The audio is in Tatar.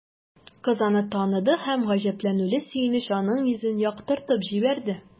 Кыз аны таныды һәм гаҗәпләнүле сөенеч аның йөзен яктыртып җибәрде.